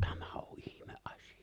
tämä on ihmeasia